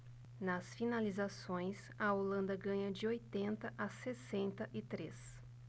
nas finalizações a holanda ganha de oitenta a sessenta e três